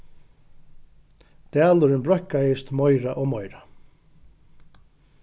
dalurin breiðkaðist meira og meira